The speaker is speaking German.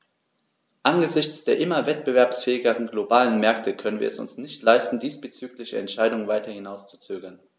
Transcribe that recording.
Angesichts der immer wettbewerbsfähigeren globalen Märkte können wir es uns nicht leisten, diesbezügliche Entscheidungen weiter hinauszuzögern.